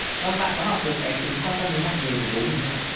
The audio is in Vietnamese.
vâng bạn có học được cái tính quan tâm đến mọi người của bố mình không ạ